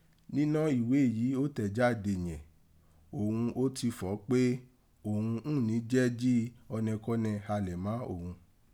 Ninọ́ ìwé yìí ó tẹ̀ jade yẹ̀n òghun ó ti fọ̀ ọ́ pe òghun ùn ni jẹ jí ọnẹkọnẹ halẹ̀ má òghun.